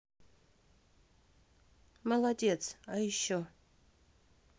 молодец а еще